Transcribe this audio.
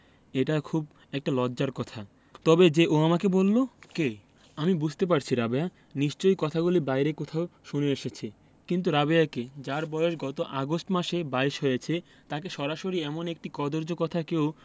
এটা খুব একটা লজ্জার কথা তবে যে ও আমাকে বললো কে আমি বুঝতে পারছি রাবেয়া নিশ্চয়ই কথাগুলি বাইরে কোথাও শুনে এসেছে কিন্তু রাবেয়াকে যার বয়স গত আগস্ট মাসে বাইশ হয়েছে তাকে সরাসরি এমন একটি কদৰ্য কথা কেউ